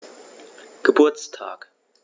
Geburtstag